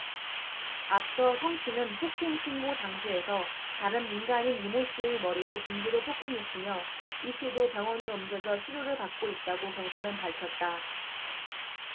앞서 성씨는 폭행 신고 장소에서 다른 민간인 이모씨의 머리를 둔기로 폭행했으며 이씨도 병원에 옮겨져 치료를 받고 있다고 경찰은 밝혔다